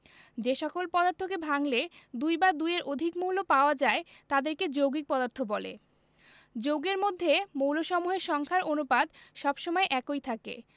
যে সকল পদার্থকে ভাঙলে দুই বা দুইয়ের অধিক মৌল পাওয়া যায় তাদেরকে যৌগিক পদার্থ বলে যৌগের মধ্যে মৌলসমূহের সংখ্যার অনুপাত সব সময় একই থাকে